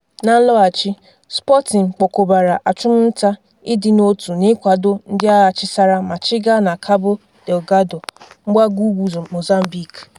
Na nloghachi, Sporting kpokobara achụmnta ịdị n'otu n'ịkwado ndị agha chisara ma chiga na Cabo Delgado, mgbagougwu Mozambique.